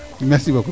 merci beaucoup